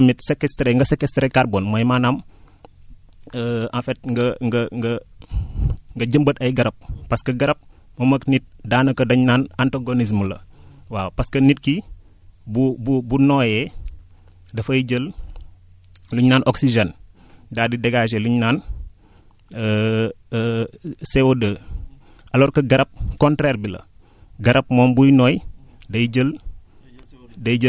li ñu naan aussi tamit séquestrer nga séquestrer carbone mooy maanaam en fait nga nga nga nga nga jëmbat ay garab parce que garab moom ak nit daanaka dañ naan antagonisme la waaw parce que nit ki bu bu bu noyyee dafay jël li ñu naan oxygène daal di dégager liñ naan CO2 alors que garab contraire bi la garab moom buy noyyi day jël